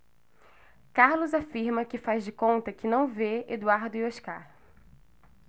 carlos afirma que faz de conta que não vê eduardo e oscar